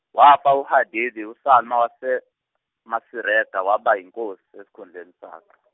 wafa uHadede uSamla waseMasireta waba yinkosi esikhundleni sakhe.